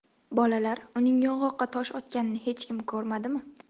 bolalar uning yong'oqqa tosh otganini hech kim ko'rmadimi